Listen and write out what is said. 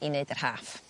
i neud y raff.